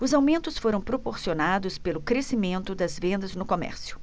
os aumentos foram proporcionados pelo crescimento das vendas no comércio